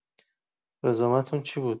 رزومتون چی بود؟